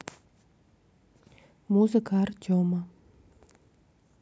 музыка артема